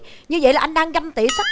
như vậy là anh đang ganh tị sắc